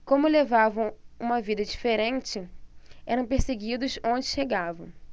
como levavam uma vida diferente eram perseguidos onde chegavam